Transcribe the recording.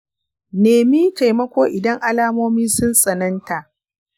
nemi taimako idan almomi sun tsananta